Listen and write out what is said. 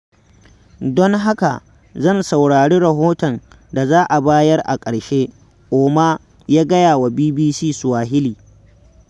Don haka, zan saurari rahoton da za a bayar a ƙarshe, Ouma ya gaya wa BBC Swahili.